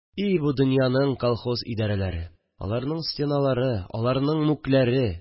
И бу донъяның колхоз идәрәләре, аларның стеналары, аларның мүкләре